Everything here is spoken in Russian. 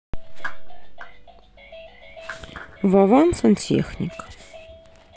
вован сантехник